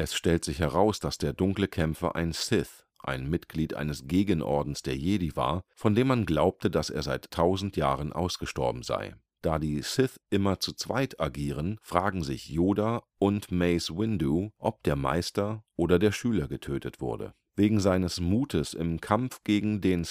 stellt sich heraus, dass der dunkle Kämpfer ein Sith, ein Mitglied eines Gegenordens der Jedi war, von dem man glaubte, dass er seit 1000 Jahren ausgestorben sei. Da die Sith immer zu zweit agieren, fragen sich Yoda und Mace Windu, ob der Meister oder der Schüler getötet wurde. Wegen seines Mutes im Kampf gegen den